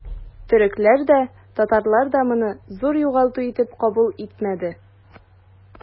Төрекләр дә, татарлар да моны зур югалту итеп кабул итмәде.